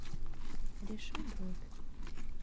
реши дробь